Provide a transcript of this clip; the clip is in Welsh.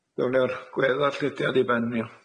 Ddown ni a'r gwe- ddarllediad i ben ia.